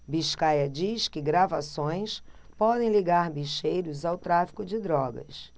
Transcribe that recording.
biscaia diz que gravações podem ligar bicheiros ao tráfico de drogas